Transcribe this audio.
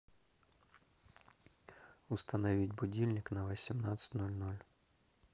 установить будильник на восемнадцать ноль ноль